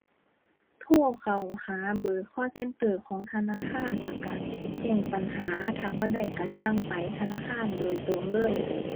โทรเข้าหาเบอร์ call center ของธนาคาร แล้วก็แจ้งปัญหา ถ้าบ่ได้ก็จั่งไปธนาคารโดยตรงเลย